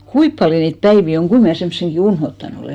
kuinka paljon niitä päiviä on kuinka minä semmoisenkin unohtanut olen